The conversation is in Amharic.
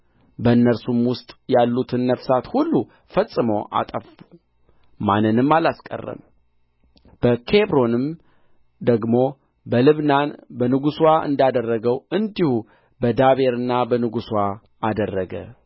በእነርሱም ውስጥ ያሉትን ነፍሳት ሁሉ ፈጽመው አጠፉ ማንንም አላስቀረም በኬብሮን ደግሞ በልብናና በንጉሥዋ እንዳደረገው እንዲሁ በዳቤርና በንጉሥዋ አደረገ